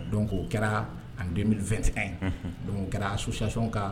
Donc o kɛra en 2021 , Unhun, donc o kɛra association ka